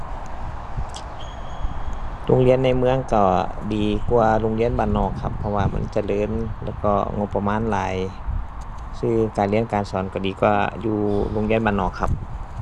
โรงเรียนในเมืองก็ดีกว่าโรงเรียนบ้านนอกครับ เพราะว่ามันเจริญ แล้วก็งบประมาณหลาย สื่อการเรียนการสอนก็ดีกว่าอยู่โรงเรียนบ้านนอกครับ